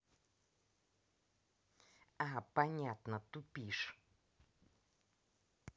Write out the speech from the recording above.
а понятно тупишь